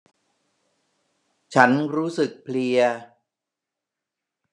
ฉันรู้สึกเพลีย